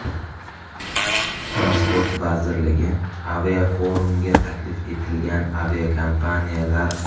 transport vazirligi aviaforumga taklif etilgan aviakompaniyalar